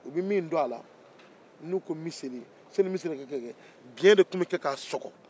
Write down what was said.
u bɛ min don a la yanni misɛli ka kɛ k'a kɛ biyɛn de tun bɛ kɛ k'a sɔgɔ